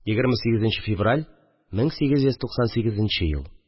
28 нче февраль 1898 ел